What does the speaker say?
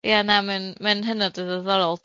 Iea na mae'n mae'n hynod o ddiddorol.